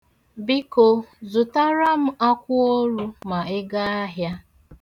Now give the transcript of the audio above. Biko, zụtara m akwụoru ma iga ahịa.